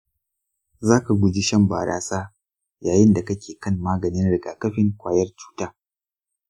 za ka guji shan barasa yayin da kake kan maganin rigakafin kwayar cuta.